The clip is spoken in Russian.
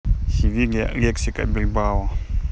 севилья лексика бильбао